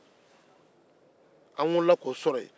an wolola k'o sɔrɔ yen